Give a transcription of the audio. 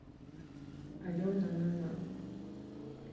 алена на на